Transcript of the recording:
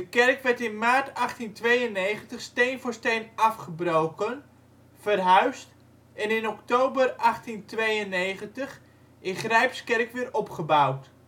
kerk werd in maart 1892 steen voor steen afgebroken, verhuisd en in oktober 1892 in Grijpskerk weer opgebouwd